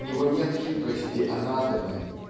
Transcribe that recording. у него нет хитрости Анатэмы.